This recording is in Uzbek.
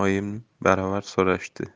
oyim baravar so'rashdi